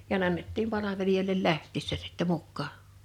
ja ne annettiin palvelijoille lähtiessä sitten mukaan